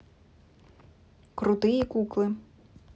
крутые куклы